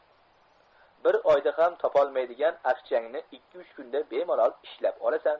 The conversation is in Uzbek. bir oyda ham topolmaydigan aqchangni ikki uch kunda bemalol ishlab olasan